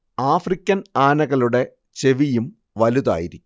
African ആനകളുടെ ചെവിയും വലുതായിരിക്കും